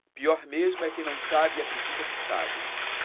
pior mesmo é quem não sabe e acredita que sabe